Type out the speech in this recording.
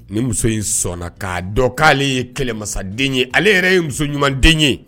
Nin muso in sɔnna k'a dɔn k'ale ye kɛlɛmasaden ye ale yɛrɛ ye muso ɲumanden ye